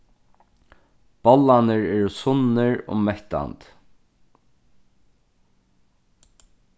bollarnir eru sunnir og mettandi